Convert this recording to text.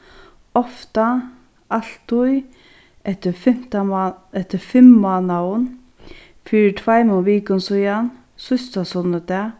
ofta altíð eftir fimtan eftir fimm mánaðum fyri tveimum vikum síðan síðsta sunnudag